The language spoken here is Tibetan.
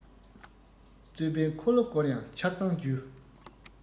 རྩོད པའི འཁོར ལོ སྐོར ཡང ཆགས སྡང རྒྱུ